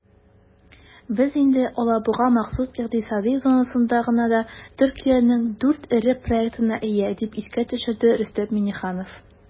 "без инде алабуга махсус икътисади зонасында гына да төркиянең 4 эре проектына ия", - дип искә төшерде рөстәм миңнеханов.